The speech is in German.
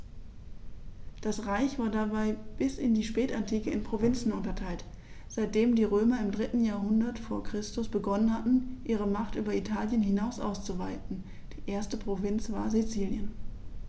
Das Reich war dabei bis in die Spätantike in Provinzen unterteilt, seitdem die Römer im 3. Jahrhundert vor Christus begonnen hatten, ihre Macht über Italien hinaus auszuweiten (die erste Provinz war Sizilien).